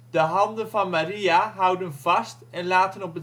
de handen van Maria houden vast en laten op